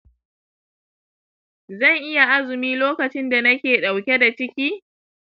zan iya azumi lokacin da nake dauke da ciki